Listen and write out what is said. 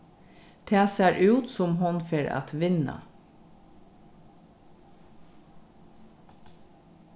tað sær út sum hon fer at vinna